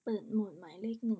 เปิดโหมดหมายเลขหนึ่ง